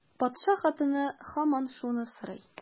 Патша хатыны һаман шуны сорый.